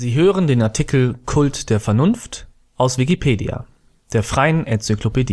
hören den Artikel Kult der Vernunft, aus Wikipedia, der freien Enzyklopädie